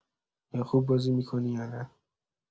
یا خوب بازی می‌کنی یا نه.